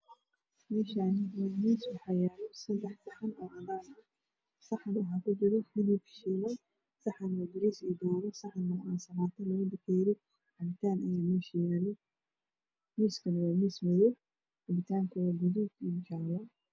Meeshaan waa miis waxaa yaalo seddex saxan oo cadaan ah. Saxan waxaa kujiro hilib shiilan. Saxan waxaa kujiro bariis iyo dooro. saxana ansalaato. Labo bakeeri iyo cabitaan ayaa meesha yaalo. Miisku waa madow cabitaankana waa gaduud iyo jaalo.